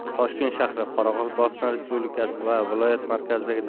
toshkent shahri qoraqalpog'iston respublikasi va viloyat markazidagi